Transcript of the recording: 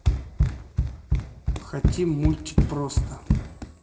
хотим мультик просто